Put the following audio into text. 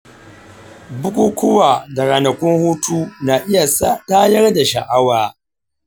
bukukuwa da ranakun hutu na iya tayar da sha’awa.